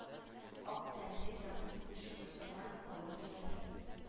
Ак тәнле ягъни күчеп утырган колонияләр